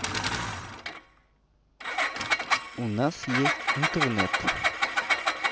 у нас есть интернет